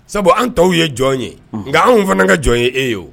Sabu an tɔw ye jɔn ye nka anw fana ka jɔn ye e ye